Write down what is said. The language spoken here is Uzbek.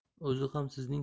o'zi ham sizning